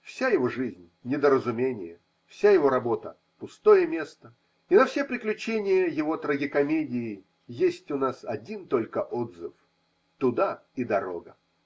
вся его жизнь недоразумение, вся его работа – пустое место, и на все приключения его трагикомедии есть у нас один только отзыв: туда и дорога.